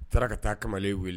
U taara ka taa kamalen wele